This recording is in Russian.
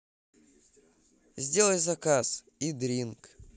сделай заказ идринк